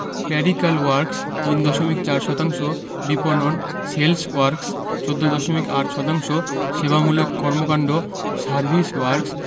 clerical works ৩ দশমিক ৪ শতাংশ বিপণন সেলস ওয়ার্ক্স ১৪দশমিক ৮ শতাংশ সেবামূলক কর্মকান্ড সার্ভিস ওয়ার্ক্স